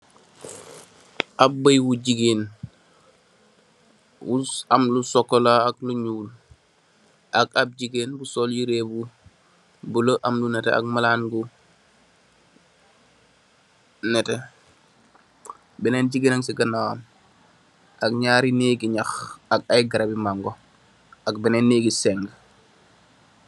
Ap bèy wu jigeen wu am lu sokola ak lu ñuul ak am jigeen bu sol yirèh bu bula am lu netteh ak malan gu netteh benen jigeen ci ganaw wam ak ñaari nèk ngi ñax ak ay garabi mango ak benen nèk ngi seng.